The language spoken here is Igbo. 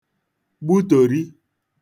gbu tòri